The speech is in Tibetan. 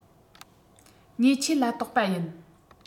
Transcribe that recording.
ཉེས ཆད ལ གཏོགས པ ཡིན